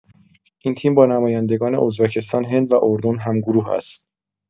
این تیم با نمایندگان ازبکستان، هند و اردن هم‌گروه است.